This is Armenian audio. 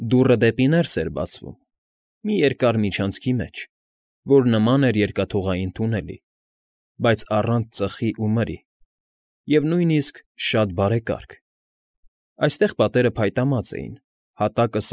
Դուռը դեպի ներս էր բացվում, մի երկար միջանցքի մեջ, որ նման էր երկաթուղային թունելի, բայց առանց ծխի ու մրի, և նույնիսկ շատ բարեկարգ. այստեղ պատերը փայտամած էին, հատակը։